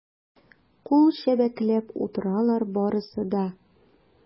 Кул чәбәкләп утыралар барысы да.